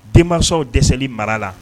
Den mansaw dɛsɛli mara la